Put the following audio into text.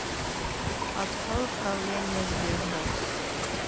открой управление sberbox